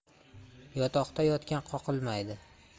yotoqda yotgan qoqilmaydi